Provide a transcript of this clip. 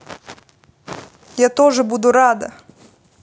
я тоже буду рада